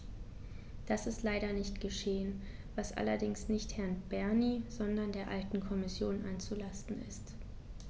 Das ist leider nicht geschehen, was allerdings nicht Herrn Bernie, sondern der alten Kommission anzulasten ist.